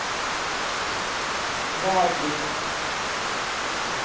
wildberries